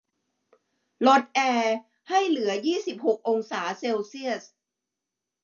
ลดแอร์ให้เหลือยี่สิบหกองศาเซลเซียส